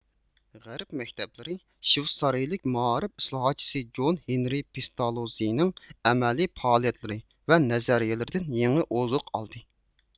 غەرب مەكتەپلىرى شۋېتسارىيىلىك مائارىپ ئىسلاھاتچىسى جون ھېنرى پېستالوززىنىڭ ئەمەلىي پائالىيەتلىرى ۋە نەزەرىيىلىرىدىن يېڭى ئوزۇق ئالدى